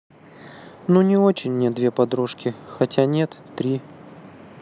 ну не очень мне две подружки хотя нет три